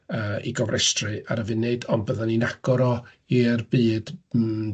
Yy ei gofrestru ar y funud, ond byddwn ni'n agor o i'r byd mm